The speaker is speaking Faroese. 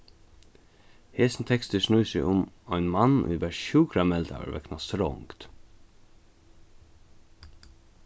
hesin tekstur snýr seg um ein mann ið varð sjúkrameldaður vegna strongd